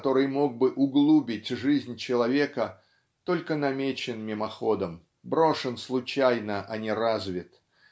который мог бы углубить "Жизнь человека" только намечен мимоходом брошен случайно а не развит